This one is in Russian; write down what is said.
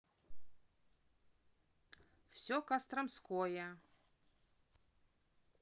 все костромское